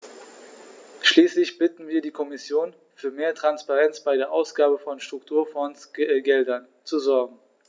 Schließlich bitten wir die Kommission, für mehr Transparenz bei der Ausgabe von Strukturfondsgeldern zu sorgen.